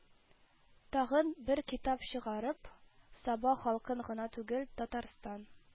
Тагын бер китап чыгарып, саба халкын гына түгел, татарстан